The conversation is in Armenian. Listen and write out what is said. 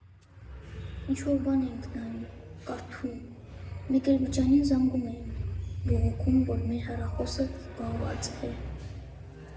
Ինչ֊որ բան էինք նայում, կարդում, մեկ էլ բջջայինին զանգում էին՝ բողոքում, որ մեր հեռախոսը զբաղված է։